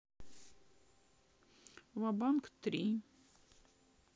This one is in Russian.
ва банк три